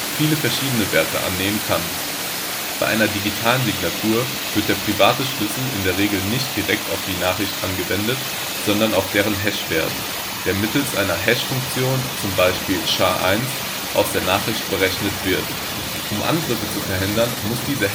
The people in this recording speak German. viele verschiedene Werte annehmen kann. Bei einer digitalen Signatur wird der private Schlüssel in der Regel nicht direkt auf die Nachricht angewendet, sondern auf deren Hash-Wert, der mittels einer Hashfunktion (wie z. B. SHA-1) aus der Nachricht berechnet wird. Um Angriffe zu verhindern, muss diese